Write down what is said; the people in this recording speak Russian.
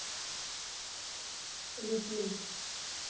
люпин